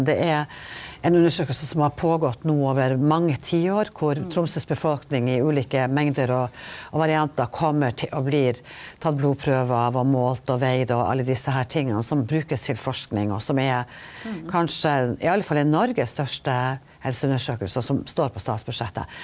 det er ein undersøking som har gått føre seg no over mange tiår kor Tromsøs befolkning i ulike mengder og og variantar kjem til og blir tatt blodprøve av og målt og vegen og alle desse her tinga som brukast til forsking og som er kanskje i alle fall er Norges største helseundersøking og som står på statsbudsjettet.